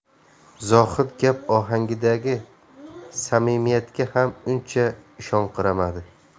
zohid gap ohangidagi samimiyatga ham uncha ishonqiramadi